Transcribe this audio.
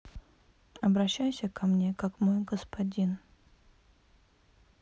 обращайся ко мне как мой господин